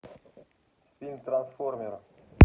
фильм трансформеры